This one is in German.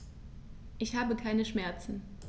Ich habe keine Schmerzen.